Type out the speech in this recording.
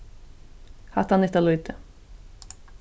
hatta nyttar lítið